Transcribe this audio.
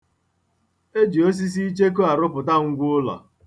A na-eji osisi icheku arụpụta ngwụụlọ.